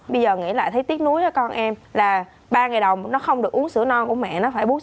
bây giờ nghĩ lại thấy tiếc nuối cho con em là ba ngày đầu nó không được uống sữa non của mẹ nó phải bú